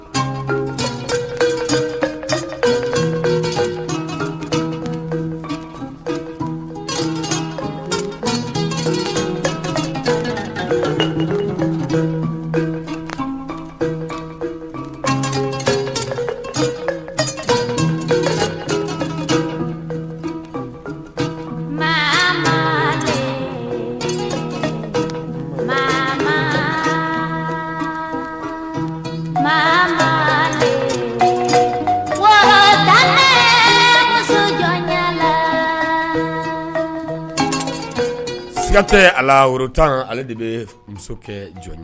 Cɛba wa jɔn siga tɛ a woro tan ale de bɛ muso kɛ jɔn